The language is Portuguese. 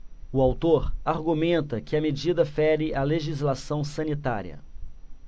o autor argumenta que a medida fere a legislação sanitária